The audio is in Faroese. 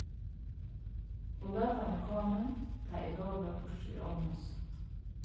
og løtan er komin tá eg lovi burtur í olmussu